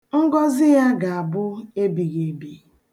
Ngọzị ya ga-abụ ebighiebi.